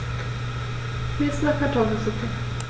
Mir ist nach Kartoffelsuppe.